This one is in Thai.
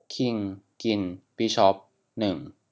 คิงกินบิชอปหนึ่ง